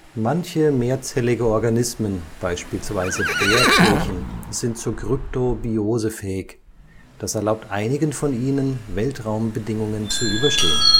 Manche mehrzellige Organismen, beispielsweise Bärtierchen, sind zur Kryptobiose fähig. Das erlaubt einigen von ihnen, Weltraumbedingungen zu überstehen